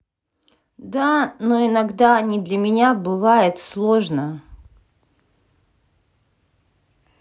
да но иногда они для меня бывает сложно